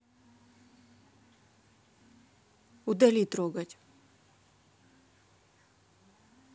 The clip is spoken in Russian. удали трогать